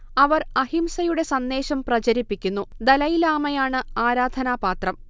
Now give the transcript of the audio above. അവർ അഹിംസയുടെ സന്ദേശം പ്രചരിപ്പിക്കുന്നു ദലൈലാമയാണ് ആരാധനാപാത്രം